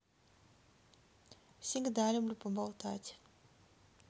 всегда люблю поболтать